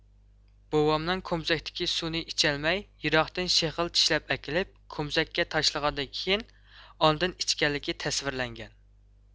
بوۋامنىڭ كومزەكتىكى سۇنى ئىچەلمەي يىراقتىن شېغىل چىشلەپ ئەكىلىپ كومزەككە تاشلىغاندىن كېيىن ئاندىن ئىچكەنلىكى تەسۋىرلەنگەن